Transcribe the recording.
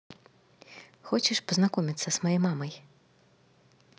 хочешь познакомиться с моей мамой